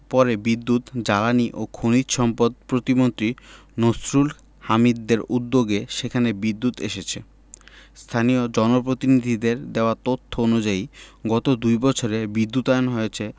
পরে বিদ্যুৎ জ্বালানি ও খনিজ সম্পদ প্রতিমন্ত্রী নসরুল হামিদদের উদ্যোগে সেখানে বিদ্যুৎ এসেছে স্থানীয় জনপ্রতিনিধিদের দেওয়া তথ্য অনুযায়ী গত দুই বছরে বিদ্যুতায়ন হয়েছে